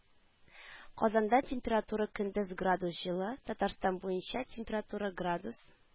Казанда температура көндез градус җылы, Татарстан буенча - температура градус